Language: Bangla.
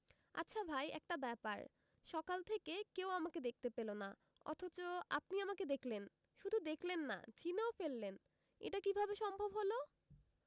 আচ্ছা ভাই একটা ব্যাপার সকাল থেকে কেউ আমাকে দেখতে পেল না অথচ আপনি আমাকে দেখলেন শুধু দেখলেন না চিনেও ফেললেন এটা কীভাবে সম্ভব হলো